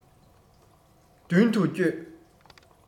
མདུན དུ བསྐྱོད